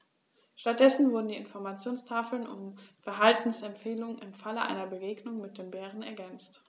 Stattdessen wurden die Informationstafeln um Verhaltensempfehlungen im Falle einer Begegnung mit dem Bären ergänzt.